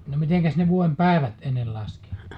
no mitenkäs ne vuoden päivät ennen laski